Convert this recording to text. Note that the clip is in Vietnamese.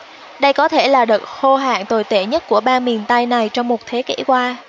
đây có thể là đợt khô hạn tồi tệ nhất của bang miền tây này trong một thế kỷ qua